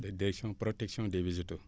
di direction protection des végétaux